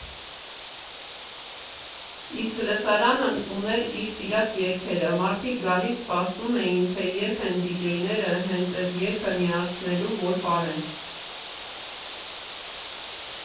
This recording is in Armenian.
Իսկ լսարանն ուներ իր սիրած երգերը, մարդիկ գալիս սպասում էին, թե երբ են դիջեյները հենց էդ երգը միացնելու, որ պարեն։